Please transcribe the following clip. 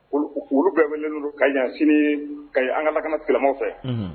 Olu bɛɛ wele ka sini ka an silamɛ fɛ